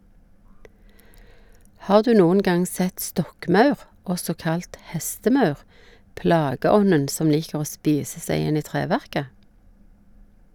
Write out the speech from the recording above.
Har du noen gang sett stokkmaur, også kalt hestemaur, plageånden som liker å spise seg inn i treverket?